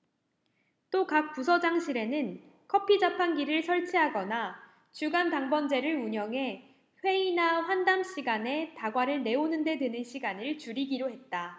또 각 부서장실에는 커피자판기를 설치하거나 주간 당번제를 운영해 회의나 환담 시간에 다과를 내오는 데 드는 시간을 줄이기로 했다